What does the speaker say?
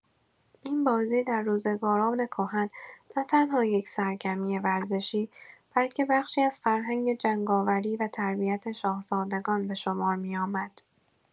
این بازی در روزگاران کهن نه‌تنها یک سرگرمی ورزشی، بلکه بخشی از فرهنگ جنگاوری و تربیت شاهزادگان به شمار می‌آمد.